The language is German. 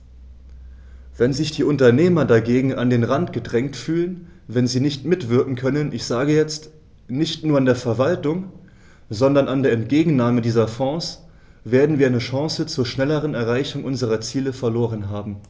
Wenn sich die Unternehmer dagegen an den Rand gedrängt fühlen, wenn sie nicht mitwirken können ich sage jetzt, nicht nur an der Verwaltung, sondern an der Entgegennahme dieser Fonds , werden wir eine Chance zur schnelleren Erreichung unserer Ziele verloren haben.